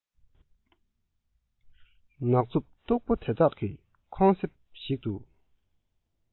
ནག རྫུབ སྟུག པོ དེ དག གི ཁོང གསེང ཞིག ཏུ